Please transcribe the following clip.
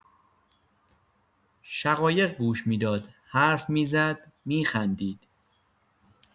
شقایق گوش می‌داد، حرف می‌زد، می‌خندید.